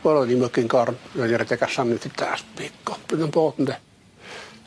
Wel o'n i'n mygy'n gorn raid fi redeg allan 'im 'di dallt be' goblin yn bod ynde?